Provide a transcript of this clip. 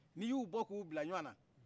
n'i y'u bɔ k'u bila ɲɔɔna